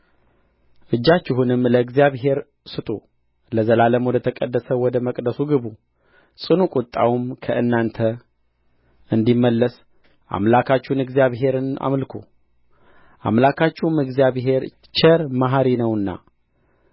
እጃችሁንም ለእግዚአብሔር ስጡ ለዘላለም ወደ ተቀደሰው ወደ መቅደሱም ግቡ ጽኑ ቍጣውም ከእናንተ እንዲመለስ አምላካችሁን እግዚአብሔርን አምልኩ አምላካችሁም እግዚአብሔር ቸርና መሐሪ ነውና